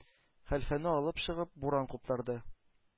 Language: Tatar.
Хәлфәне алып чыгып, буран куптарды.